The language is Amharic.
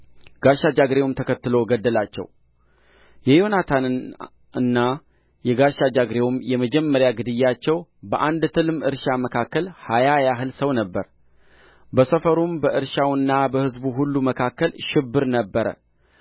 ጋሻ ጃግሬውም ተከትሎ ገደላቸው የዮናታንና የጋሻ ጃግሬውም የመጀመሪያ ግዳያቸው በአንድ ትልም እርሻ መካከል ሀያ ያህል ሰው ነበረ በሰፈሩም በእርሻውና በሕዝቡም ሁሉ መካከል ሽብር ነበረ